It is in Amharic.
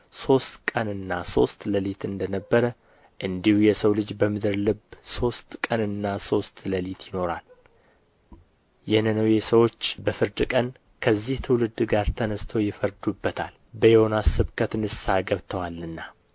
ሦስት ቀንና ሦስት ሌሊት እንደ ነበረ እንዲሁ የሰው ልጅ በምድር ልብ ሦስት ቀንና ሦስት ሌሊት ይኖራል የነነዌ ሰዎች በፍርድ ቀን ከዚህ ትውልድ ጋር ተነሥተው ይፈርዱበታል በዮናስ ስብከት ንስሐ ገብተዋልና